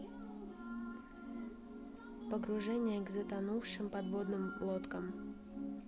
погружение к затонувшим подводным лодкам